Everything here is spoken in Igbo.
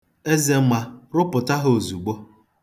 Ezema, rụpụta ha ozugbo.